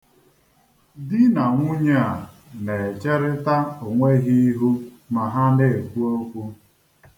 Di na nwunye a na-echerịta onwe ha ihu ma ha na-ekwu okwu.